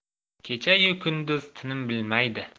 kechayu kunduz tinim bilmaydi